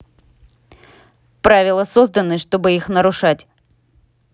правила созданы чтобы их нарушать